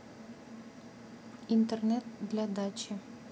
интернет для дачи